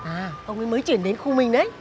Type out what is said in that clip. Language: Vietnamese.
à ông ý mới chuyển đến khu mình đấy